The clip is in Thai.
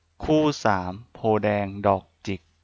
คู่สามโพธิ์แดงดอกจิก